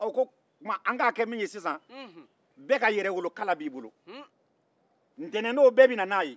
u ko o tumana an ka kɛ min ye sisan bɛɛ ka yɛrɛwolokala b'i bolo ntɛnɛn don bɛɛ bɛ na n'a ye